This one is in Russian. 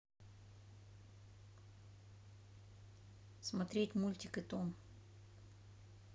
смотреть мультик и том